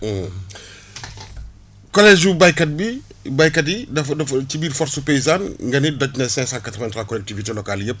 collège béykat bi béykat yi dafa dafa ci biir force paysane nga ni daj na cinq cent quatre vingt trois collectivités locales yi yëpp